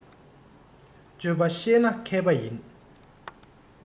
སྤྱོད པ ཤེས ན མཁས པ ཡིན